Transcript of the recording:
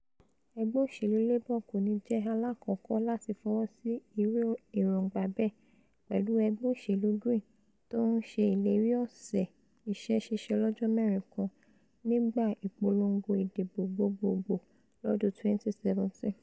Ẹgbẹ́ Òṣèlú Labour kòní jẹ̵̵́ aláàkọ́kọ́ láti fọwosí irú èròǹgbà bẹ́ẹ̀, pẹ̀lú Ẹgbẹ́ Òṣèlú Green tó ńṣe ìléri ọ̀sẹ̀ iṣẹ́-ṣíṣe ọlọ́jọ́-mẹ́rin kan nígbà ìpolongo ìdìbò gbogbogbòò lọ́dún 2017.